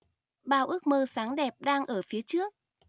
bao ước mơ sáng đẹp đang ở phía trước